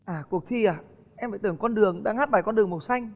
à cuộc thi à em lại tưởng con đường đang hát bài con đường màu xanh